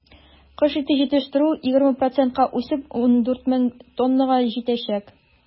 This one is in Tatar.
Кош ите җитештерү, 20 процентка үсеп, 14 мең тоннага җитәчәк.